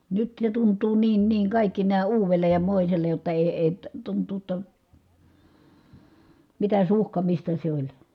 nyt ne tuntuu niin niin kaikki nämä uudelle ja moiselle jotta ei ei tuntuu jotta mitä suhkamista se oli